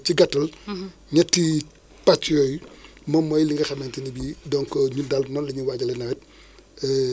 waa yooyu surtout yooyu mooy stratégie yoo xam ne béykat yi ak état bi ñoom ñoo xëy lënkule ngir mun a sauver donc campagen garicole yi